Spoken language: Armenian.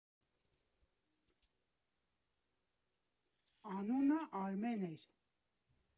Անունը Արմեն էր։